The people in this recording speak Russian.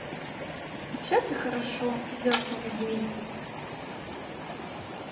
общаться хорошо сделано людьми